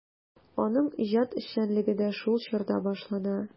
Аның иҗат эшчәнлеге дә шул чорда башлана.